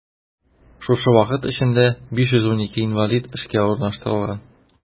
Шушы вакыт эчендә 512 инвалид эшкә урнаштырылган.